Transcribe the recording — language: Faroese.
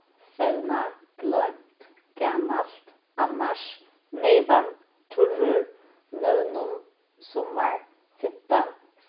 fevna gloymt gamalt annars neyvan turrur nøvnum summar fimtan